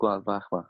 gwlad bach 'ma